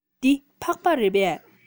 འདི ཕག པ རེད པས